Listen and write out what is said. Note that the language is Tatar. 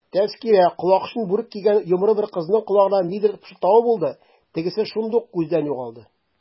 Тәзкирә колакчын бүрек кигән йомры бер кызның колагына нидер пышылдавы булды, тегесе шундук күздән югалды.